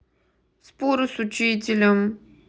споры с учителем